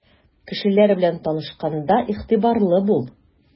Кешеләр белән танышканда игътибарлы бул.